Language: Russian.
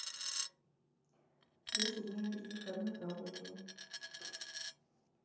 десять дней без выходных работаю